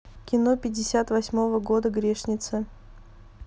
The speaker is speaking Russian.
кино пятьдесят восьмого года грешница